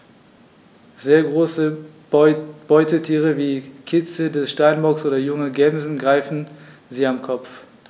Sehr große Beutetiere wie Kitze des Steinbocks oder junge Gämsen greifen sie am Kopf.